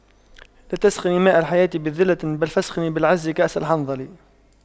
لا تسقني ماء الحياة بذلة بل فاسقني بالعز كأس الحنظل